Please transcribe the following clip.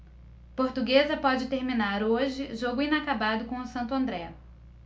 portuguesa pode terminar hoje jogo inacabado com o santo andré